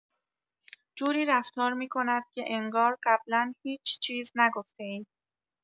جوری رفتار می‌کند که انگار قبلا هیچ‌چیز نگفته‌اید.